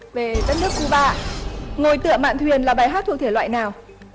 về đất nước cu ba ngồi tựa mạn thuyền là bài hát thuộc thể loại nào